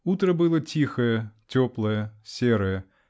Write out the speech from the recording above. Утро было тихое, теплое, серое.